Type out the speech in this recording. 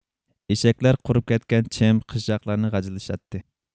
ئېشەكلەر قۇرۇپ كەتكەن چىم قىژژاقلارنى غاجىلىشاتتى